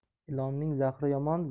ilonning zahri yomon